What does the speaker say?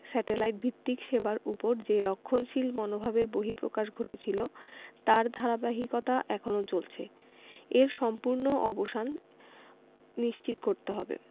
satellite ভিত্তিক সেবার ওপর যে রক্ষণশীল মনোভাবের বহিঃপ্রকাশ ঘটেছিল তার ধারাবাহিকতা এখনো চলছে এর সম্পূর্ণ অবসান নিশ্চিত করতে হবে